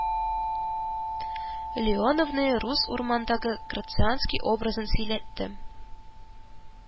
Леоновныө «Рус урманы»ндагы Грацианский образын сөйләтте